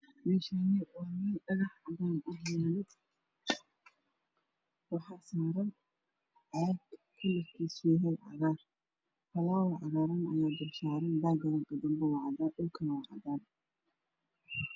Meeshaani waa meel dhagax ah waxaa saaran caag midabkiisu yahay cagaar Faloowar cagaaran ayaa dulsaaran background guriga waa cadaan dhulkiisana waa cadaan